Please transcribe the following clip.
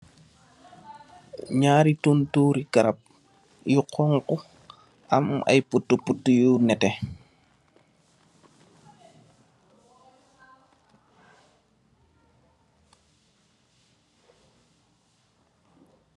Nyaari tontoori garap, yu khonkhu, am aye putu putu yu nete.